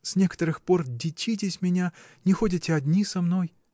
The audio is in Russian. с некоторых пор дичитесь меня, не ходите одни со мной?.